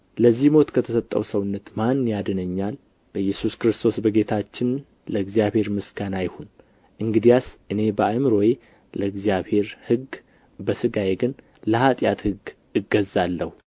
ለዚህ ሞት ከተሰጠ ሰውነት ማን ያድነኛል በኢየሱስ ክርስቶስ በጌታችን ለእግዚአብሔር ምስጋና ይሁን እንግዲያስ እኔ በአእምሮዬ ለእግዚአብሔር ሕግ በሥጋዬ ግን ለኃጢአት ሕግ እገዛለሁ